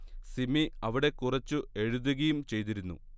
സിമി അവിടെ കുറച്ചു എഴുതുകയും ചെയ്തിരുന്നു